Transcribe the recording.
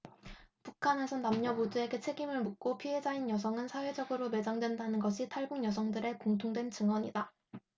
북한에선 남녀 모두에게 책임을 묻고 피해자인 여성은 사회적으로 매장된다는 것이 탈북 여성들의 공통된 증언이다